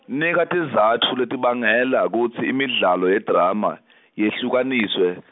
nika tizatfu letibangela kutsi imidlalo yedrama, yehlukaniswe.